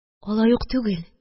Алай ук түгел